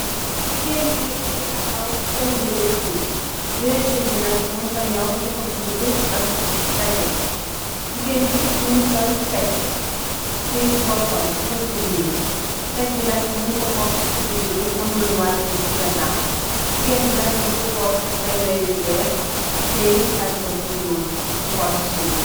Jigéen bi mu ngi tahaw sol yireh chup, yireh chup bi nag mun ko ñaw sipa bu gudd ak daggit. jigéen bi mu ngi sol tekg ci boppam bi, teg bu ñuul, teg bi nag mun ko puf ci digi bi am lumn wachee ci gannaaw. Jigéen bi nag mu ngi poosé ay waye yu weex teh kalpem bu ñuul di hoool ci suf.